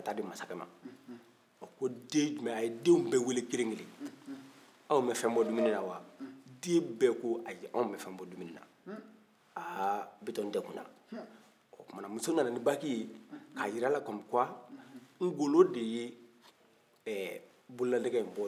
aw ma fɛn bɔ dumuni na wa den bɛɛ ko ayi an ma fɛn bɔ dumuni na ha bitɔn degunna o tuma na muso nana ni baki ye k'a jira a la '' comme quoi'' ngolo de ye ɛɛ bolilanɛgɛ in bɔ dumuni kɔnɔ